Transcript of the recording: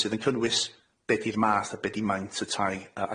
sydd yn cynnwys be' di'r math a be di maint y tai a